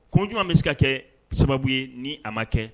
Ko ɲuman bɛ se ka kɛ sababu ye ni a ma kɛ